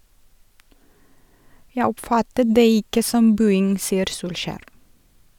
- Jeg oppfattet det ikke som buing, sier Solskjær.